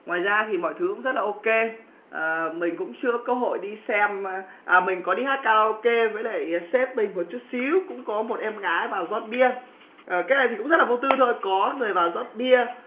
ngoài ra thì mọi thứ cũng rất là ô kê à mình cũng chưa có cơ hội đi xem à à mình có đi hát ca ra ô kê với lại sếp mình một chút xíu cũng có một em gái vào rót bia cái này thì cũng rất là vô tư thôi có người vào rót bia